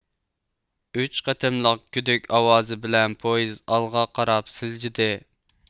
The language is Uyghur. ئۈچ قېتىملىق گۈدۈك ئاۋازى بىلەن پويىز ئالغا قاراپ سىلجىدى